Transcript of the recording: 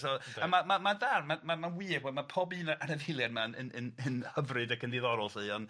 So a ma' ma' ma'n da ma' ma' ma'n wir bod ma' pob un o anifeiliaid 'ma'n yn yn yn hyfryd ac yn diddorol 'lly ond